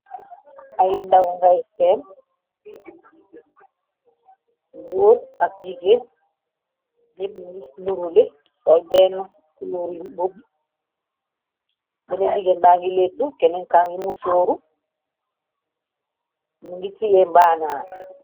Ay ndaw ngay seen boor ab jigéen jéb i nurule sool benn kulooryi bub bennen jigéen ba ngi leetu kenen kangi mu sooru mu ngi ciyeen baanaar.